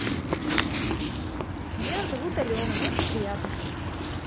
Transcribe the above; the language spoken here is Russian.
меня зовут алена очень приятно